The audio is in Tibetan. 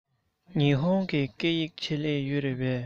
ཉི ཧོང གི སྐད ཡིག ཆེད ལས ཡོད རེད པས